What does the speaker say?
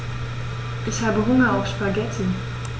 Ich habe Hunger auf Spaghetti.